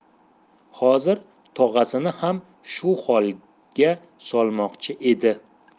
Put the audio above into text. hozir tog'asini ham shu holga solmoqchi edi